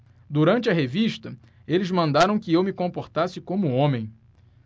durante a revista eles mandaram que eu me comportasse como homem